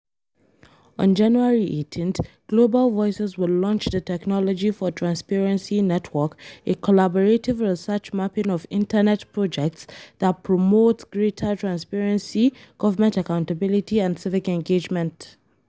On January 18 Global Voices will launch the Technology for Transparency Network, a collaborative research mapping of internet projects that promote greater transparency, government accountability, and civic engagement.